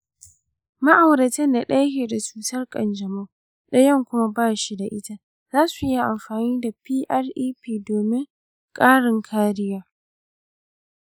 ma’auratan da ɗaya ke da cutar ƙanjamau ɗaya kuma ba shi da ita za su iya amfani da prep domin ƙarin kariya.